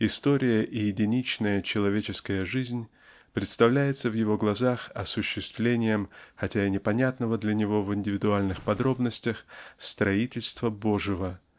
История и единичная человеческая жизнь представляются в его глазах осуществлением хотя и непонятного для него в индивидуальных подробностях строительства Божьего